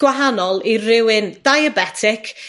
gwahanol i rywun diabetic